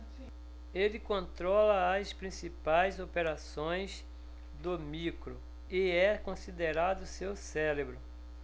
ele controla as principais operações do micro e é considerado seu cérebro